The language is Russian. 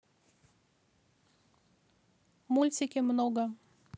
мультики много